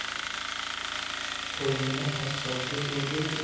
qo'yingni qassobga so'ydir